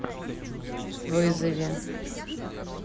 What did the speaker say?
вызови